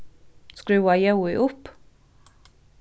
skrúva ljóðið upp